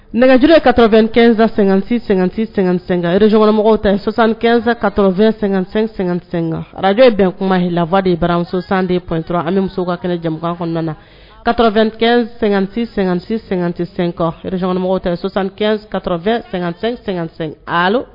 Nɛgɛjre ye ka2ɛn-sɛ2sɛ2-sɛ re zgɔnmɔgɔsansanka2--sɛ kan araj bɛn kuma h lafa de barasan de pt ani muso ka kɛnɛ jamana kɔnɔna na ka2-ti2 sɛgɛntisɛ kan reg2--sɛ